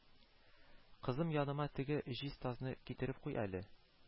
– кызым, яныма теге җиз тасны китереп куй әле, –